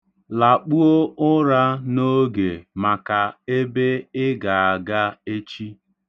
Lakpuo ụra n'oge maka ebe ị ga-aga echi.